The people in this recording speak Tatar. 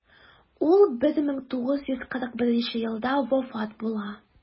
Ул 1941 елда вафат була.